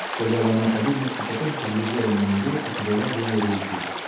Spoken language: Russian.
— сказала она, подумавши, потом поглядела на него и подала было руку.